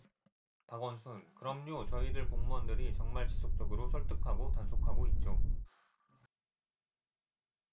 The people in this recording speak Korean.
박원순 그럼요 저희들 공무원들이 정말 지속적으로 설득하고 단속하고 있죠